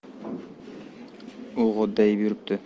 u g'o'ddayib yuribdi